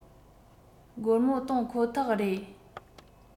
སྒོར མོ གཏོང ཁོ ཐག རེད